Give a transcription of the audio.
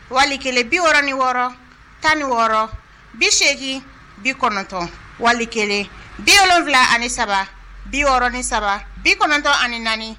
Wali kelen 66 16 80 90 wali kelen 73 63 94